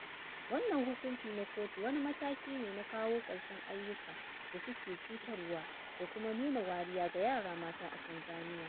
Wannan hukunci na kotu wani mataki ne na kawo ƙarshen aiyuka da suke cutarwa da kuma nuna wariya ga yara mata a Tanzaniya.